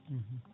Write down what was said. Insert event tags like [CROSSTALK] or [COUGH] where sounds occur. [HESITATION] [HESITATION]